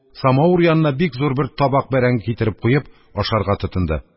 Самавыр янына бик зур бер табак бәрәңге китереп куеп, ашарга тотынды.